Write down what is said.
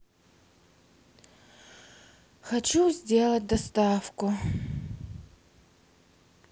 хочу сделать доставку